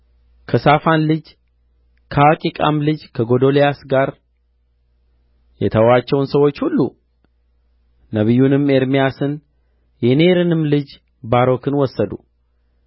ከሳፋን ልጅ ከአኪቃም ልጅ ከጎዶልያስ ጋር የተዋቸውን ሰዎች ሁሉ ነቢዩንም ኤርምያስን የኔርያንም ልጅ ባሮክን ወሰዱ